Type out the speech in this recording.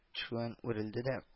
Төшеүен үрелде дә